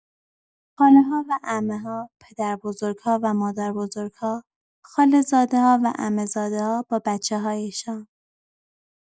خاله‌ها و عمه‌ها، پدربزرگ‌ها و مادربزرگ‌ها، خاله‌زاده‌ها و عمه‌زاده‌ها با بچه‌هایشان